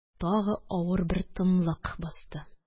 Тагы авыр бер тынлык басты